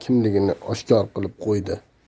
kimligini oshkor qilib qo'ydi